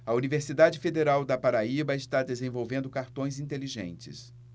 a universidade federal da paraíba está desenvolvendo cartões inteligentes